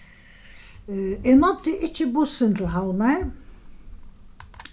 eg náddi ikki bussin til havnar